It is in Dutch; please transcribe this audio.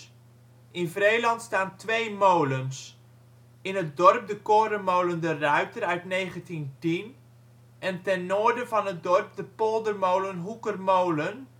Vreeland staan twee molens. In het dorp de korenmolen De Ruiter uit 1910 en ten noorden van het dorp de poldermolen Hoekermolen